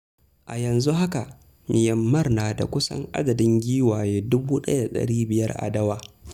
A yanzu haka, Maynmar na da kusan adadin giwaye 1,500 a dawa.